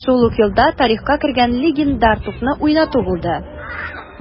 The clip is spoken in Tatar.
Шул ук елда тарихка кергән легендар тупны уйнату булды: